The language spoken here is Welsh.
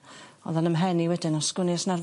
Odd o'n 'ym mhen i wedyn o sgwn i os 'na'r...